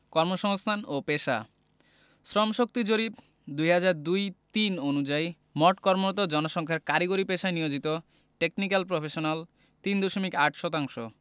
কর্মসংস্থান ও পেশাঃ শ্রমশক্তি জরিপ ২০০২ ০৩ অনুযায়ী মোট কর্মরত জনসংখ্যার কারিগরি পেশায় নিয়োজিত টেকনিকাল প্রফেশনাল ৩ দশমিক ৮ শতাংশ